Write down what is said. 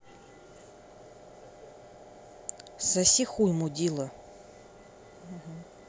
соси хуй мудила